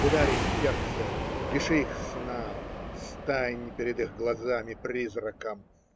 Ударь их в сердце, лиши их сна, стань перед их глазами призраком!